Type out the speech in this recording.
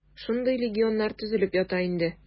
Шундый легионнар төзелеп ята инде.